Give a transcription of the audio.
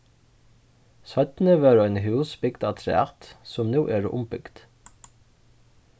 seinni vórðu eini hús bygd afturat sum nú eru umbygd